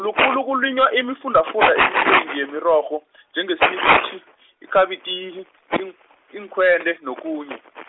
-ulukhul kulinywa iimfundafunda eminengi yemirorho, njengesipinitjhi, ikabitini, iink- iinkhwele nokhunye.